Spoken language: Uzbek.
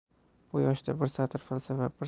bu yoshda bir satr falsafa bir